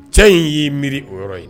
Cɛ in y'i miiri o yɔrɔ ye